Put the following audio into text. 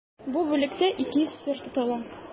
Бу бүлектә 200 сыер тотыла.